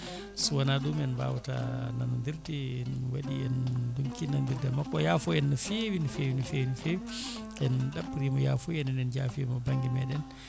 so wona ɗum en mbawata nanodirde ɗum waɗi en donkki nanodirde makko o yaafo en no fewi no fewi no fewi en ɗaɓɓirimo yafuya enen en jaafima banggue meɗen